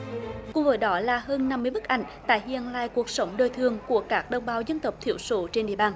cùng với đó là hơn năm mươi bức ảnh tái hiện lại cuộc sống đời thường của các đồng bào dân tộc thiểu số trên địa bàn